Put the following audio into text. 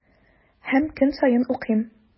Һәм көн саен укыйм.